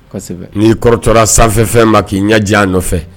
N'i kɔrɔtɔ sanfɛfɛn ma k'i ɲɛ diya nɔfɛ